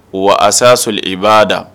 Wa assassouli i baa da